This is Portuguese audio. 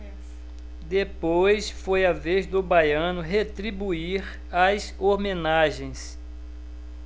depois foi a vez do baiano retribuir as homenagens